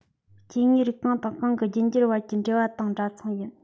སྐྱེ དངོས རིགས གང དང གང གི རྒྱུད འགྱུར བར གྱི འབྲེལ བ དང འདྲ མཚུངས ཡིན